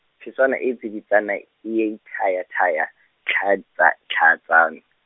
phešwana e tsiditsana, e ithaya ithaya, tlhaa tsa, tlha tsan-.